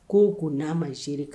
Ko ko n'a ma se kan